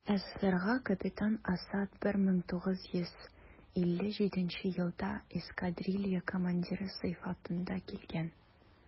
СССРга капитан Асад 1957 елда эскадрилья командиры сыйфатында килгән.